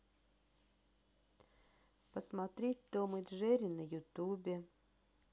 посмотреть том и джерри на ютубе